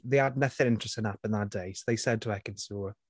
They had nothing interesting happen that day, so they said to Ekin-Su...